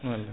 wallay